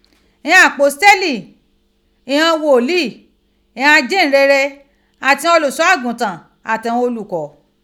Ighan apositeli, ighann gholi, ighann ajihinrere ati ighann oluso agutan ati ighan oluko.